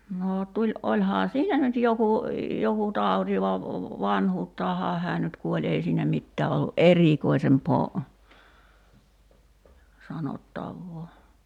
no - olihan sillä nyt joku joku tauti vaan vanhuuttaanhan hän nyt kuoli ei siinä mitään ollut erikoisempaa sanottavaa